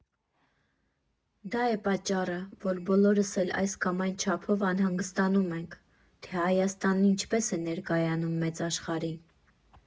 Դա է պատճառը, որ բոլորս էլ այս կամ այն չափով անհանգստանում ենք, թե Հայաստանն ինչպես է ներկայանում մեծ աշխարհին։